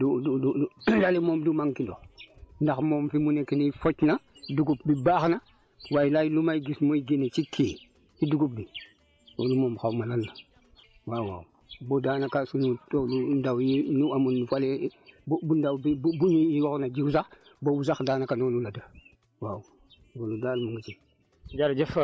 lële moom du du du lële moom du manqué ndox ndax moom fi mu nekk nii focc na dugub bi baax na waaye li may gis muy génne ci kii ci dugub bi loolu moom xaw ma lan la waawaaw ba daanaka suñu tool yi ndaw ñu amuñ fële ba bu ndaw bi bu bu ñuy waroon a jiw sax boobu sax daanaka noonu la def waaw loolu daal mu ngi si